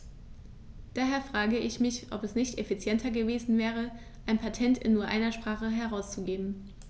Daher frage ich mich, ob es nicht effizienter gewesen wäre, ein Patent in nur einer Sprache herauszugeben.